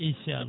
inchallah